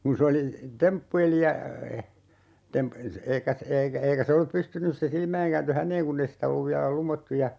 kun se oli temppuili ja - eikä eikä eikä se ollut pystynyt se - silmäinkääntö häneen kun ei sitä ollut vielä lumottu ja